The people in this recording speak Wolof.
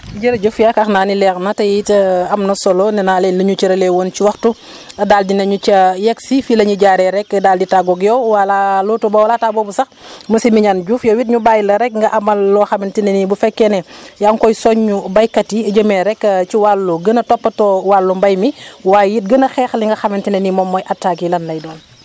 jërëjëf yaakaar naa ni leer na te it am na solo nee naa leen li ñu cëralee woon ci waxtu daal dinañ ca yegsi fii la ñuy jaaree rek daal di tàggoog yow wala loota ba laataa booba sax monsieur Mignane Diouf yow it ñu bàyyi la rek nga amal loo xamante ne ni bu fekkee ne yaa ngi koy soññ béykat yi jëmee rek ci wàllu gën a toppatoo wàllu mbéy mi waaye it gën a xeex li nga xamante ne ni moom mooy attaques yi lan lay doon